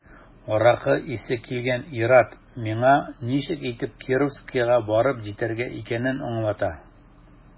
Аракы исе килгән ир-ат миңа ничек итеп Кировскига барып җитәргә икәнен аңлата.